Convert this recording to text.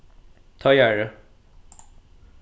teigari